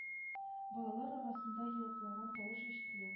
Балалар арасында еглаган тавыш ишетелә